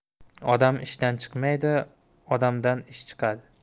odam ishdan chiqmaydi odamdan ish chiqadi